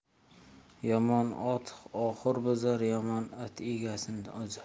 yomon ot oxur buzar yomon it egasini uzar